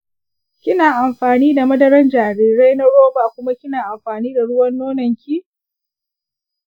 kina amfani da madaran jarirai na roba kuma kina amfani ruwan nononki?